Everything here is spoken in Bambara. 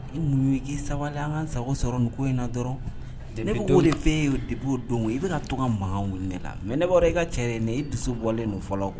I numu ye'i sabali an ka sago sɔrɔ ni ko in na dɔrɔn ne ko de fɛ e y'o debo don i bɛna to ka makan ne la mɛ ne bɔra i ka cɛ ne e dusu bɔlen ninnu fɔlɔ kɔ